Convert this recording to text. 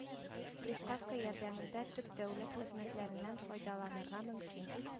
Приставка ярдәмендә төп дәүләт хезмәтләреннән файдаланырга мөмкин